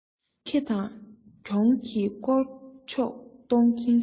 ཁེ དང གྱོང གི བསྐོར ཕྱོགས གཏོང གིན སོང